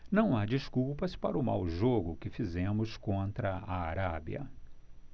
não há desculpas para o mau jogo que fizemos contra a arábia